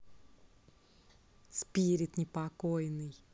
spirit непокойный